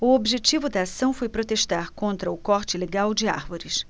o objetivo da ação foi protestar contra o corte ilegal de árvores